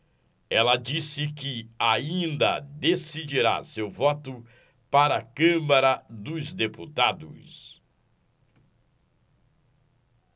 ela disse que ainda decidirá seu voto para a câmara dos deputados